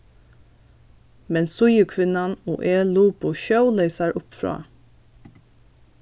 men síðukvinnan og eg lupu sjóleysar uppfrá